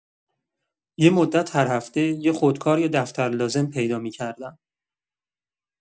یه مدت هر هفته یه خودکار یا دفتر لازم پیدا می‌کردم.